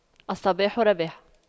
الصباح رباح